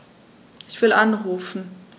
Ich will anrufen.